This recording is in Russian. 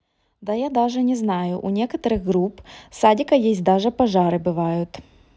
да я даже даже не знаю у некоторых групп садика есть даже пожары бывают